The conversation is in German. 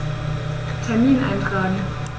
Termin eintragen